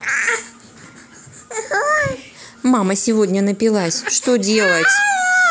мама сегодня напилась что делать